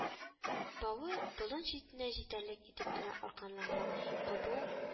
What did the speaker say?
Бавы болын читенә җитәрлек итеп кенә арканланган кобу